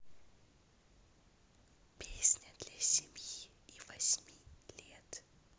песни для семи и восьми лет